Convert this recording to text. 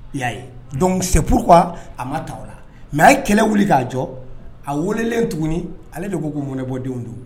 Y'a ye dɔnkuc sepuru a ma ta o la mɛ a ye kɛlɛ wuli k'a jɔ a welelen tuguni ale de ko ko munɛ bɔdenw don